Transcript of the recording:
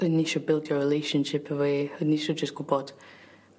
O'n i isio bildio relationship efo 'i o'n i isio jys gwbod